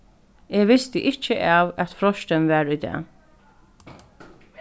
eg visti ikki av at freistin var í dag